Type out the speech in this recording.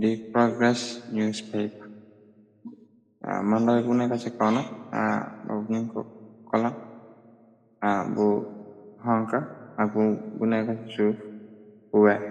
di progress newspaper, bu nèkka ci kaw nèkka kola bu xonxu ab bu nekka ci suuf bu wèèx.